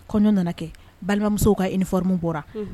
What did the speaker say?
Kɔɲɔn nana kɛ balimamuso ka uniforme bɔra, unhun.